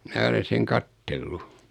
minä olen sen katsellut